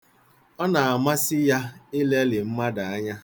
Ọ na-amasị ya ilelị mmadụ anya.